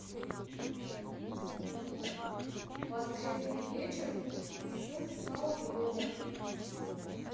воскресный вечер с соловьевым